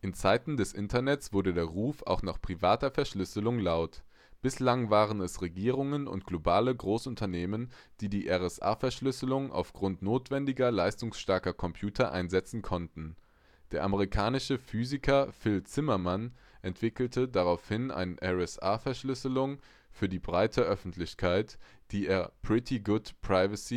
Zeiten des Internets wurde der Ruf auch nach privater Verschlüsselung laut. Bislang waren es Regierungen und globale Großunternehmen, die die RSA-Verschlüsselung aufgrund notwendiger, leistungsstarker Computer einsetzen konnten. Der amerikanische Physiker Phil Zimmermann entwickelte daraufhin eine RSA-Verschlüsselung für die breite Öffentlichkeit, die er Pretty Good Privacy (PGP